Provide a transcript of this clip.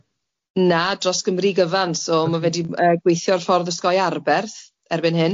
Na dros Gymru gyfan so ma' fe 'di yy gweithio'r ffordd osgoi Arberth erbyn hyn.